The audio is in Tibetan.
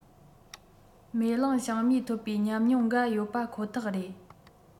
མེ གླིང བྱང མའི ཐོབ པའི ཉམས མྱོང འགའ ཡོད པ ཁོ ཐག རེད